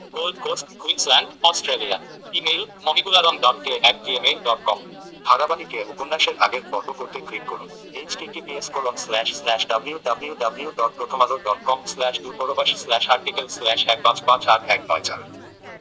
gold coast Queensland Australia email Mohibul Alam dot K at Gmail dot com ধারাবাহিক এ উপন্যাসের আগের পর্ব পড়তে ক্লিক করুন H TT PS slash slash colon W W W dot Prothom Alo dot com slash Durporobash slash article slash এক পাঁচ পাঁচ আট ওক নয় চার